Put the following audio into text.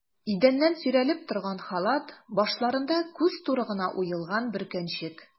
Идәннән сөйрәлеп торган халат, башларында күз туры гына уелган бөркәнчек.